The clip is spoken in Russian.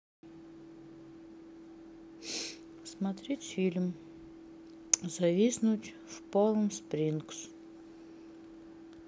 смотреть фильм зависнуть в палм спрингс